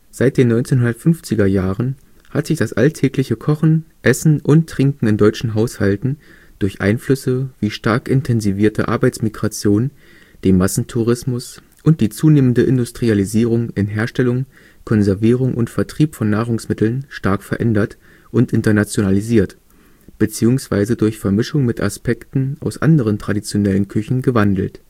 Seit den 1950er Jahren hat sich das alltägliche Kochen, Essen und Trinken in deutschen Haushalten durch Einflüsse wie stark intensivierte Arbeitsmigration, den Massentourismus und die zunehmende Industrialisierung in Herstellung, Konservierung und Vertrieb von Nahrungsmitteln stark verändert und internationalisiert, beziehungsweise durch Vermischung mit Aspekten aus anderen traditionellen Küchen gewandelt